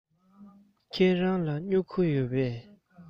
ཁྱེད རང ལ སྨྱུ གུ ཡོད པས